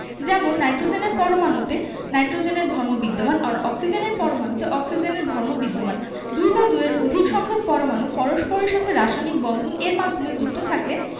যেমন নাইট্রোজেনের পরমাণুতে নাইট্রোজেনের ধর্ম বিদ্যমান আর অক্সিজেনের পরমাণুতে অক্সিজেনের ধর্ম বিদ্যমান দুই বা দুইয়ের অধিক সংখ্যক পরমাণু পরস্পরের সাথে রাসায়নিক বন্ধন এর মাধ্যমে যুক্ত থাকলে